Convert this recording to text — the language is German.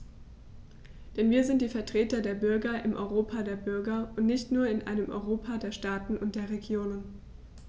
Denn wir sind die Vertreter der Bürger im Europa der Bürger und nicht nur in einem Europa der Staaten und der Regionen.